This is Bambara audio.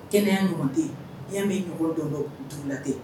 Kɛnɛya ɲɔgɔn tɛ yen, n'i y'a mɛn i ɲɔgɔn gɔngɔnduurula tɛ